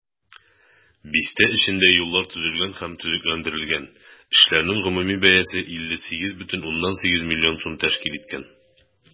Бистә эчендә юллар төзелгән һәм төзекләндерелгән, эшләрнең гомуми бәясе 58,8 миллион сум тәшкил иткән.